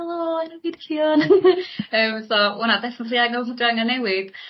helo wfidio nyym so wwnna deha fry angen y dwi angen newid